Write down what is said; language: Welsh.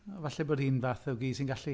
O, falle bod hi'n fath o gi sy'n gallu.